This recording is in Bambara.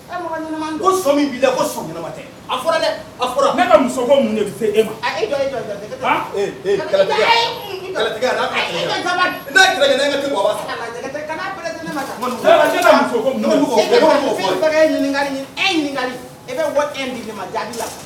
Se